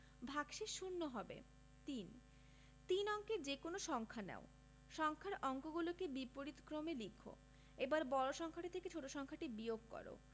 ভাগশেষ শূন্য হবে ৩ তিন অঙ্কের যেকোনো সংখ্যা নাও সংখ্যার অঙ্কগুলোকে বিপরীতক্রমে লিখ এবার বড় সংখ্যাটি থেকে ছোট সংখ্যাটি বিয়োগ কর